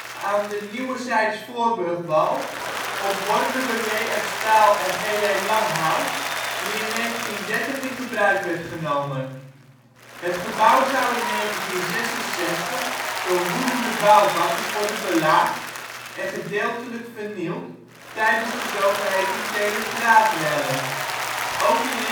aan de Nieuwezijds Voorburgwal, ontworpen door J.F. Staal en G.J. Langhout, die in 1930 in gebruik werd genomen. Het gebouw zou in 1966 door woedende bouwvakkers worden belaagd (en gedeeltelijk vernield) tijdens de zogeheten ' Telegraafrellen '. Ook in 1930